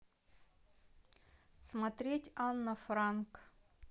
смотреть анна франк